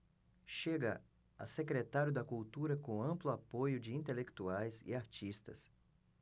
chega a secretário da cultura com amplo apoio de intelectuais e artistas